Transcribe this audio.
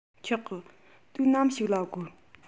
ཆོག གི དུས ནམ ཞིག ལ དགོས